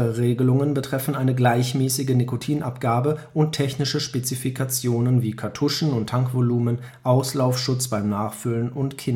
Regelungen betreffen eine gleichmäßige Nikotinabgabe und technische Spezifikationen (Kartuschen -/ Tankvolumen, Auslaufschutz beim Nachfüllen, Kindersicherung